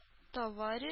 Товарищ